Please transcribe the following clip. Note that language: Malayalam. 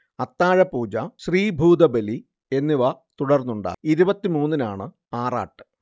അത്താഴപൂജ, ശ്രീഭൂതബലി എന്നിവ തുടർന്നുണ്ടാകും ഇരുപത്തിമൂന്നിനാണ് ആറാട്ട്